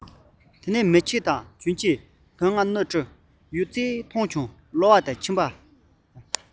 མལ གོས དང གྱོན ཆས དོན ལྔ སྣོད དྲུག ཡོད ཚད མཐོང བྱུང གློ བ དང མཆིན པ